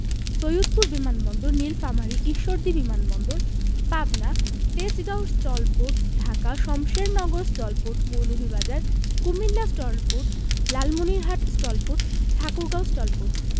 সৈয়দপুর বিমান বন্দর নিলফামারী ঈশ্বরদী বিমান বন্দর Pabna Tejgaon STOL port Dhaka Shamshernagar STOL port Moulvibazar Comilla STOL port Lalmonirhat STOL port Thakurgaon STOL port